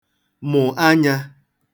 mụ̀ anyā